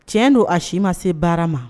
Tiɲɛ don a si ma se baara ma